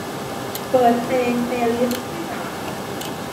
เปิดเพลงเพลย์ลิสต์ที่สาม